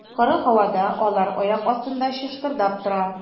Коры һавада алар аяк астында чыштырдап тора.